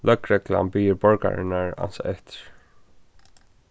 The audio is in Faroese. løgreglan biður borgararnar ansa eftir